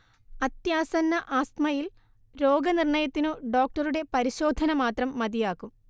അത്യാസന്ന ആസ്മയിൽ രോഗനിർണയത്തിനു ഡോക്ടറുടെ പരിശോധന മാത്രം മതിയാകും